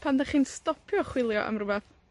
Pan 'dach chi'n stopio chwilio am rwbath,